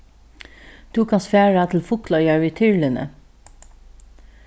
tú kanst fara til fugloyar við tyrluni